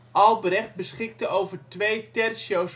Albrecht beschikte over twee tercio